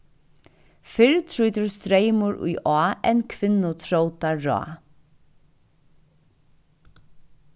fyrr trýtur streymur í á enn kvinnu trótar ráð